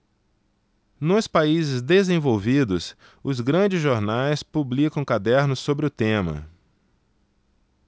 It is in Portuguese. nos países desenvolvidos os grandes jornais publicam cadernos sobre o tema